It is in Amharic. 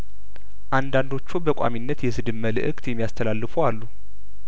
አንዳንዶቹ በቋሚነት የስድብ መልእክት የሚያስተላልፉ አሉ